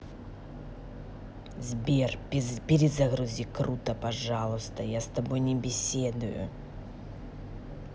сбер перезагрузи круто пожалуйста я с тобой не беседую